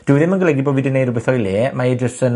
dyw 'i ddim yn golygu bo' fi 'di neud rwbeth o'i le. Mae e jys yn